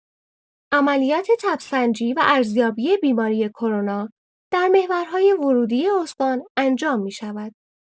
عملیات تب‌سنجی و ارزیابی بیماری کرونا در محورهای ورودی استان انجام می‌شود.